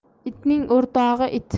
itning o'rtog'i it